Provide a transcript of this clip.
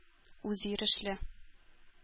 Үзйөрешле